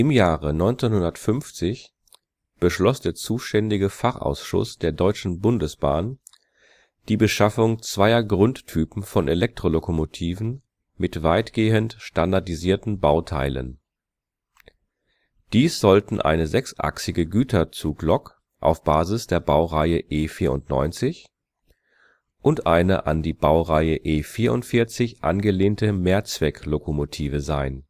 Jahre 1950 beschloss der zuständige Fachausschuss der Deutschen Bundesbahn die Beschaffung zweier Grundtypen von Elektrolokomotiven mit weitgehend standardisierten Bauteilen. Dies sollten eine sechsachsige Güterzuglok auf Basis der Baureihe E 94 und eine an die Baureihe E 44 angelehnte Mehrzwecklokomotive sein